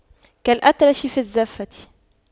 كالأطرش في الزَّفَّة